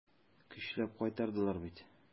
Көчләп кайтардылар бит.